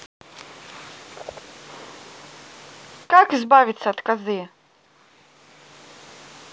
как избавиться от козы